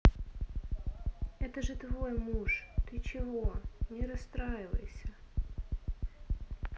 это же твой муж ты чего ты не расстраивалась